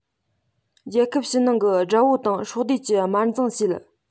རྒྱལ ཁབ ཕྱི ནང གི དགྲ བོ དང སྲོག བསྡོས ཀྱིས དམར འཛིང བྱས